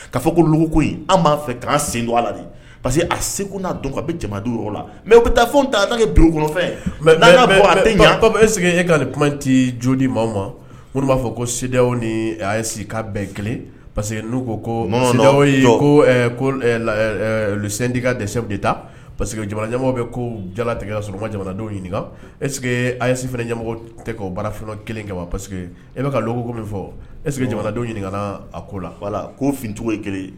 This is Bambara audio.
Ka fɔ koko b'a fɛ k' sen don ala la parce a segu n'a dɔn ka bɛdenw la mɛ taa ta kɔfɛ mɛ n'aa e e ka ni kuma ci jo di ma ma b'a fɔ ko sew ni si ka bɛɛ kelen parceseke ko ko dika dɛsɛw de ta pa que bɛ ko jalatigɛ sɔrɔ jamanadenw ɲininka e a si fanamɔgɔ tɛ barafin kelen kɛ waseke e bɛ ka min fɔ e jamanadenw ɲininka na a ko la wala ko fcogo ye kelen